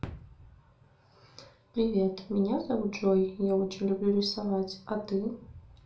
привет меня зовут джой я очень люблю рисовать а ты